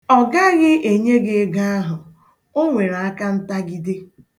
Ọ gaghị enye gị ego ahụ, o nwere akantagide.